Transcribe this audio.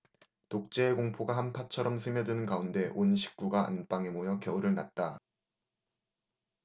독재의 공포가 한파처럼 스며드는 가운데 온 식구가 안방에 모여 겨울을 났다